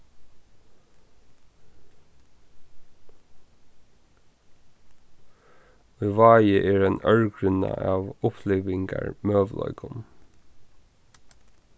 í vági er ein ørgrynna av upplivingarmøguleikum